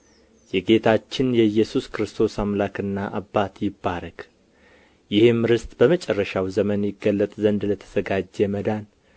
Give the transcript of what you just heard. የጌታችን የኢየሱስ ክርስቶስ አምላክና አባት ይባረክ ይህም ርስት በመጨረሻው ዘመን ይገለጥ ዘንድ ለተዘጋጀ መዳን